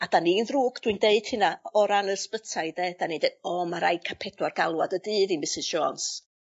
a 'dan ni'n ddrwg dwi'n deud hynna o ran yr ysbytai 'de 'dan ni deu- o ma' rai' ca' pedwar galwad y dydd i Misys Jones.